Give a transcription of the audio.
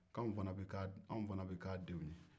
k'anw fana bɛ k'a denw ye